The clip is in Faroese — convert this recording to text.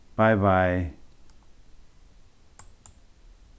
bei bei